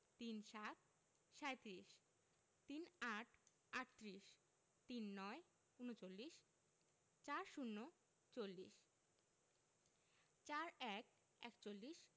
৩৭ সাঁইত্রিশ ৩৮ আটত্রিশ ৩৯ ঊনচল্লিশ ৪০ চল্লিশ ৪১ একচল্লিশ